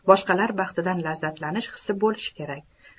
boshqalar baxtidan lazzatlanish hissi bo'lishi kerak